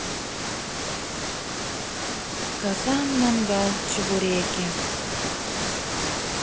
казан мангал чебуреки